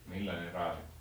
millä ne raasittiin